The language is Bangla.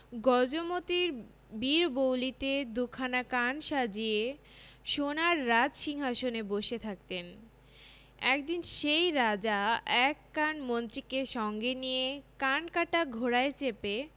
গজমোতির বীরবৌলিতে দুখানা কান সাজিয়ে সোনার রাজসিংহাসনে বসে থাকতেন একদিন সেই রাজা এক কান মন্ত্রীকে সঙ্গে নিয়ে কানকাটা ঘোড়ায় চেপে